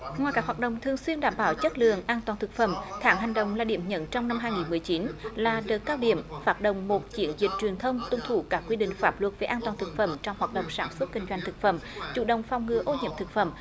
ngoài các hoạt động thường xuyên đảm bảo chất lượng an toàn thực phẩm tháng hành động là điểm nhấn trong năm hai nghìn mười chín là đợt cao điểm phát động một chiến dịch truyền thông tuân thủ các quy định pháp luật về an toàn thực phẩm trong hoạt động sản xuất kinh doanh thực phẩm chủ động phòng ngừa ô nhiễm thực phẩm